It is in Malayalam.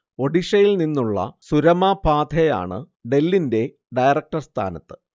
ഒഡിഷയിൽനിന്നുള്ള സുരമാ പാധേയാണ് ഡെല്ലിന്റെ ഡയറക്ടർ സ്ഥാനത്ത്